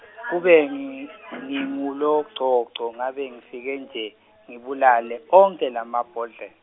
kube, ngi- nginguLogcogco ngabe ngifike nje ngibulale onkhe lamabhodle-.